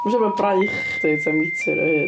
Mae siwr bod braich chdi tua metr o hyd.